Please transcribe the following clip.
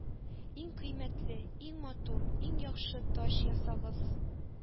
Иң кыйммәтле, иң матур, иң яхшы таҗ ясагыз,